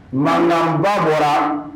Manba bɔra